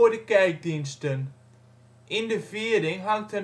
de kerkdiensten. In de viering hangt